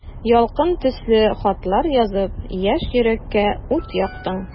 Ялкын төсле хатлар язып, яшь йөрәккә ут яктың.